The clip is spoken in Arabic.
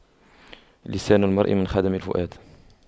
لسان المرء من خدم الفؤاد